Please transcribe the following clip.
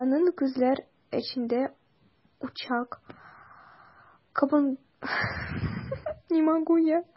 Аның күзләр эчендә учак кабынгандай булды.